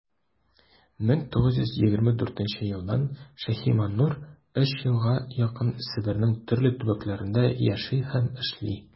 1924 елдан ш.маннур өч елга якын себернең төрле төбәкләрендә яши һәм эшли.